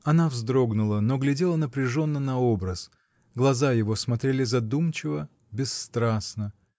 Она вздрогнула, но глядела напряженно на образ: глаза его смотрели задумчиво, бесстрастно.